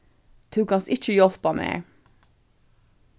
tú kanst ikki hjálpa mær